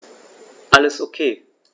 Alles OK.